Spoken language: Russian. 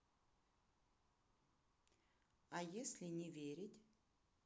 а если не верить